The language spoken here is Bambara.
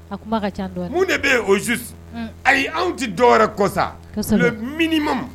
A kuma ka ca dɔɔnin, mun de bɛ yen au juste ayi anw tɛ dɔwɛrɛ kɔ sa, kosɛbɛ, _le minimum